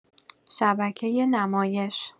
شبکه نمایش